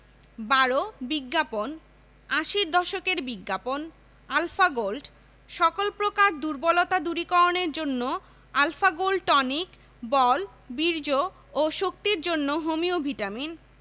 ১২ বিজ্ঞাপন আশির দশকের বিজ্ঞাপন আলফা গোল্ড সর্ব প্রকার দুর্বলতা দূরীকরণের জন্য আল্ ফা গোল্ড টনিক –বল বীর্য ও শক্তির জন্য হোমিও ভিটামিন